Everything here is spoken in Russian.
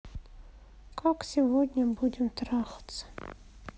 как сегодня будем трахаться